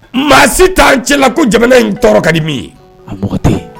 Maa si t'an cɛla ko jamana in tɔɔrɔ kadi min ye a mɔgɔ te ye